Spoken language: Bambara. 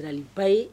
Aliliba ye